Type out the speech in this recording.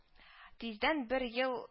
Тиздән, бер ел